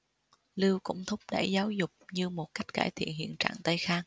lưu cũng thúc đẩy giáo dục như một cách cải thiện hiện trạng tây khang